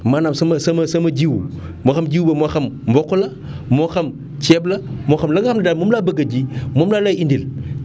maanaam sama sama sama jiwu moo xam jiwu ba moo xa mboq la moo xam ceeb la moo xam la nga xam ne daal moom laa bëgg a ji moom laa lay indil